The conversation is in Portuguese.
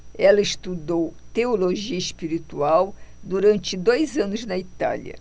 ela estudou teologia espiritual durante dois anos na itália